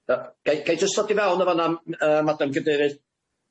Yy gai gai jyst ddod i fewn yn fan'na m- yy madame Cadeirydd?